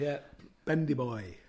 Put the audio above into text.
Ie, bendiboi.